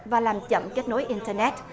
và làm chậm kết nối in tơ nét